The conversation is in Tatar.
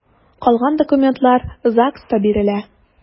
Калган документлар ЗАГСта бирелә.